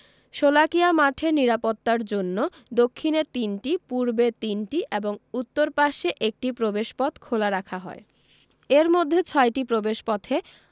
শোলাকিয়া মাঠের নিরাপত্তার জন্য দক্ষিণে তিনটি পূর্বে তিনটি এবং উত্তর পাশে একটি প্রবেশপথ খোলা রাখা হয় এর মধ্যে ছয়টি প্রবেশপথে